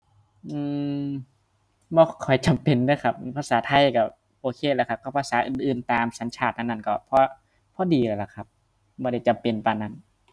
อือ บ่ค่อยจำเป็นเด้อครับภาษาไทยก็โอเคแล้วครับกับภาษาอื่นอื่นตามสัญชาติอันนั้นก็พอพอดีแล้วล่ะครับ บ่ได้จำเป็นปานนั้น